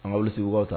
An ŋa wili ta